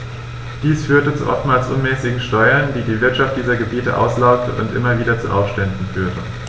Dies führte zu oftmals unmäßigen Steuern, die die Wirtschaft dieser Gebiete auslaugte und immer wieder zu Aufständen führte.